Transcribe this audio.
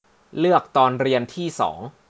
เลือกตอนเรียนที่สอง